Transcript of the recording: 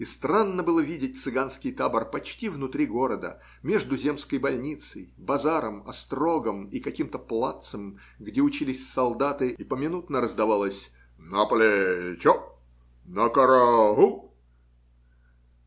И странно было видеть цыганский табор почти внутри города, между земской больницей, базаром, острогом и каким-то плацем, где учились солдаты и поминутно раздавалось "на плечо! на караул!"